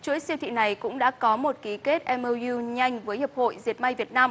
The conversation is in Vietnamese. chuỗi siêu thị này cũng đã có một kí kết em âu iu nhanh với hiệp hội dệt may việt nam